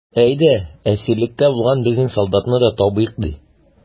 Әйдә, әсирлектә булган безнең солдатны да табыйк, ди.